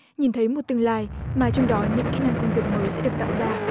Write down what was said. nhìn thấy một tương lai mà trong đó những kỹ năng công việc mới sẽ được tạo ra